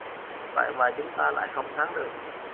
vậy mà chúng ta lại không thắng được